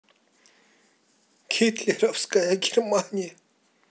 гитлеровская германия